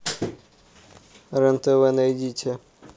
рен тв найдите